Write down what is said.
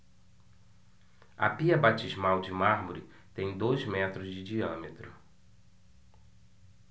a pia batismal de mármore tem dois metros de diâmetro